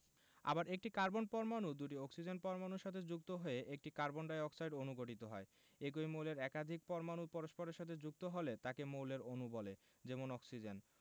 আবার একটি কার্বন পরমাণু দুটি অক্সিজেন পরমাণুর সাথে যুক্ত হয়ে একটি কার্বন ডাই অক্সাইড অণু গঠিত হয় একই মৌলের একাধিক পরমাণু পরস্পরের সাথে যুক্ত হলে তাকে মৌলের অণু বলে যেমন অক্সিজেন